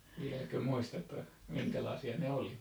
vieläkö muistatte minkälaisia ne oli